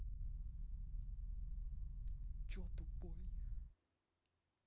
че тупой